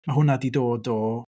Ma' hwnna 'di dod o...